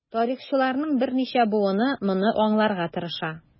Тарихчыларның берничә буыны моны аңларга тырыша.